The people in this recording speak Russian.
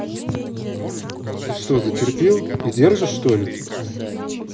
ты что за терпил и держишь что ли